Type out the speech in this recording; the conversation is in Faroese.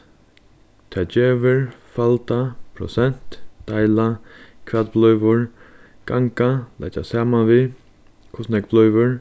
tað gevur falda prosent deila hvat blívur ganga leggja saman við hvussu nógv blívur